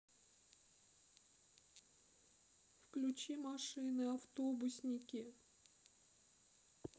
включи машины автобусники